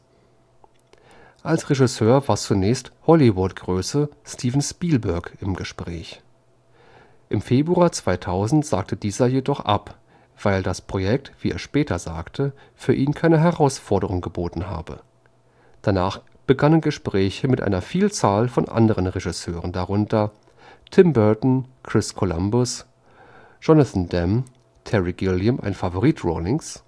Als Regisseur war zunächst Hollywood-Größe Steven Spielberg im Gespräch. Im Februar 2000 sagte dieser jedoch ab, weil das Projekt, wie er später sagte, für ihn keine Herausforderung geboten habe. Danach begannen Gespräche mit einer Vielzahl von anderen Regisseuren, darunter Tim Burton, Chris Columbus, Jonathan Demme, Terry Gilliam – ein Favorit Rowlings